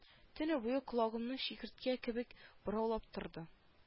Төне буе колагымны чикерткә кебек бораулап торды